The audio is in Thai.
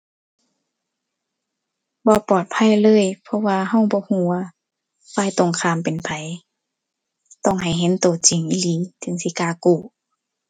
บ่ปลอดภัยเลย เพราะว่าเราบ่เราว่าฝ่ายตรงข้ามเป็นไผ ต้องให้เห็นเราจริงอีหลีถึงสิกล้ากู้